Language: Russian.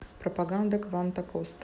пропаганда кванта коста